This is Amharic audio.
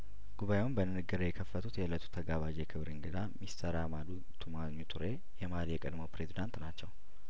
ጉባኤውን በንግግር የከፈቱት የእለቱ ተጋባዥ የክብር እንግዳ ሚስተር አማዱ ቱማኒ ቱሬ የማሊ የቀድሞው ፕሬዚዳንት ናቸው